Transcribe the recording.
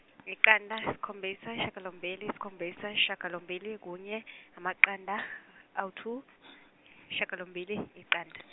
iqanda yisikhombisa shagalombili yisikhombisa yishagalombili kunye amaqanda awu two shagalombili yiqanda .